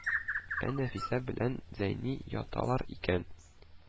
Ә, Нәфисә белән Зәйни яталар икән